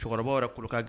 Cɛkɔrɔba wɛrɛkan